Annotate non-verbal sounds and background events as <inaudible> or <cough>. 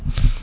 <hesitation> <hesitation>